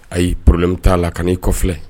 Ayi porolɛmu t'a la ka'i kɔ filɛ